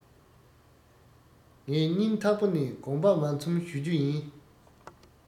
ངས རྙིང ཐག པ ནས དགོང པ མ ཚུམ ཞུ རྒྱུ ཡིན